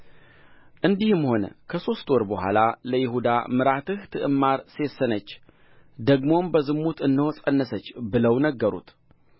እንዲህም ሆነ ከሦስት ወር በኋላ ለይሁዳ ምራትህ ትዕማር ሴሰነች ደግሞም በዝሙት እነሆ ፀነሰች ብለው ነገሩት